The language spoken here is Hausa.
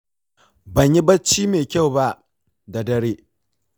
banyi barci mai kyau ba da daddare